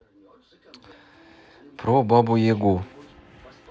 про бабу ягу